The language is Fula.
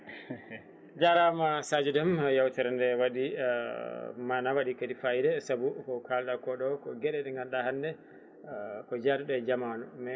jarama Sadio Déme yewtere nde waɗi mana waɗi fayida saabu ko kalɗa koɗo ko gueɗe ɗe ganduɗa hande ko jaduɗe e jamanu mais